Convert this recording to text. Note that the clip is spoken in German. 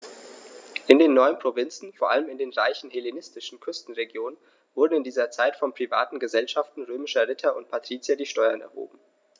In den neuen Provinzen, vor allem in den reichen hellenistischen Küstenregionen, wurden in dieser Zeit von privaten „Gesellschaften“ römischer Ritter und Patrizier die Steuern erhoben.